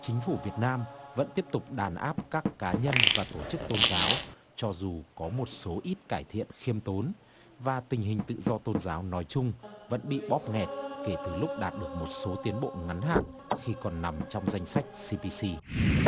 chính phủ việt nam vẫn tiếp tục đàn áp các cá nhân và tổ chức tôn giáo cho dù có một số ít cải thiện khiêm tốn và tình hình tự do tôn giáo nói chung vẫn bị bóp nghẹt kể từ lúc đạt được một số tiến bộ ngắn hạn khi còn nằm trong danh sách si bi si